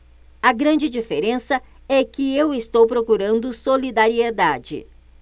a grande diferença é que eu estou procurando solidariedade